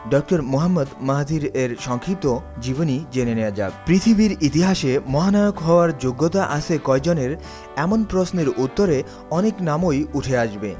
doctor Mohammad মাহাথিরের সংক্ষিপ্ত জীবনী জেনে নেয়া যাক পৃথিবীর ইতিহাসে মহানায়ক হওয়ার যোগ্যতা আছে কয়জনের এমন প্রশ্নের উত্তরে অনেক নামই উঠে আসবে